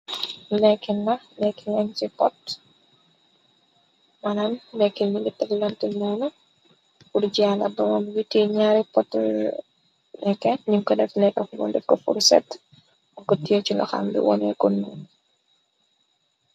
Lekkil na lekki yang ci pot malan lekkil li ngi tag lante nuunu purjiaala bamob witi ñaari pot nekke nim ko def lekka fiko ndekko forset ko tiir ci nu xambi wonee ko nuunu.